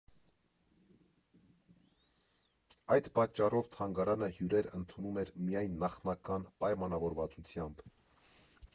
Այդ պատճառով թանգարանը հյուրեր ընդունում էր միայն նախնական պայմանավորվածությամբ։